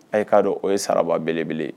A ye k'a dɔn o ye sara belebele ye